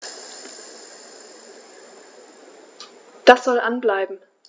Das soll an bleiben.